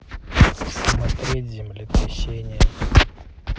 смотреть землетрясение